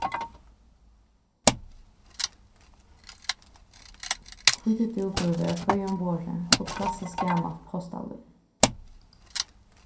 hvítur dúkur var á hvørjum borði og klassiskt gamalt postalín